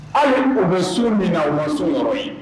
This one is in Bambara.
A mɔgɔ bɛ so min na u ma so wɔɔrɔ ye